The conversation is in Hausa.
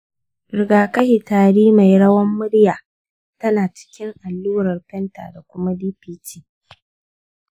rigakafi tari mai rawan murya tana cikin allurar penta da kuma dpt.